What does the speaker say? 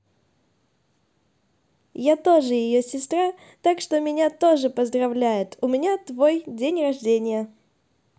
я тоже ее сестра так что меня тоже поздравляет у меня твой день рождения